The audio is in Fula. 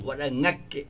waɗa ngakke